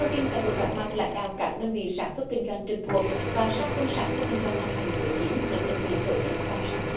tin tại buổi gặp mặt lãnh đạo các đơn vị sản xuất kinh doanh trực thuộc và sát quân sản xuất kinh doanh năm hai nghìn mười chín được đơn vị tổ chức vào sáng nay